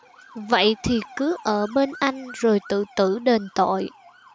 vậy thì cứ ở bên anh rồi tự tử đền tội